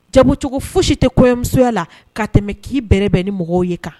Ja cogo foyi si tɛ kɔmusoya la ka tɛmɛ k'i bɛbɛn ni mɔgɔw ye kan